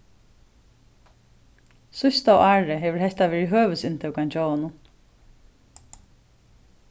síðsta árið hevur hetta verið høvuðsinntøkan hjá honum